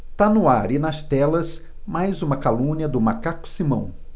tá no ar e nas telas mais uma calúnia do macaco simão